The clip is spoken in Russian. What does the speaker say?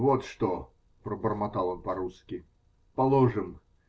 -- Вот что, -- пробормотал он по-русски. -- Положим.